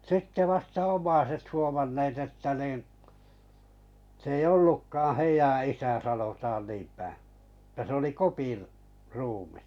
sitten vasta omaiset huomanneet että niin se ei ollutkaan heidän isä sanotaan niinpä että se oli Kopin ruumis